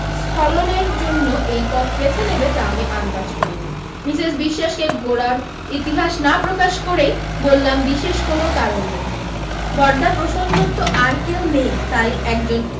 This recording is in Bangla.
স্খলনের জন্য এই পথ বেছে নেবে তা আমি আন্দাজ করিনি মিসেস বিশ্বাসকে গোড়ার ইতিহাস না প্রকাশ করেই বললাম বিশেষ কোনো কারণ নেই বরদাপ্রসন্নর তো আর কেউ নেই তাই একজন